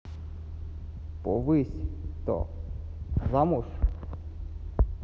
повысь то замуж